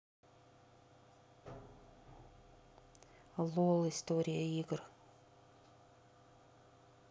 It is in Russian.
лол история игр